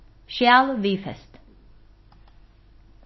skjal viðfest